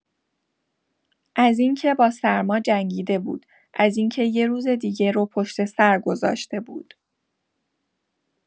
از این که با سرما جنگیده بود، از این که یه روز دیگه رو پشت‌سر گذاشته بود.